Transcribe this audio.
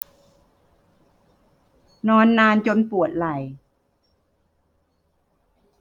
นอนนานจนปวดไหล่